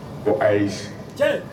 Ko ayi, tiɲɛ.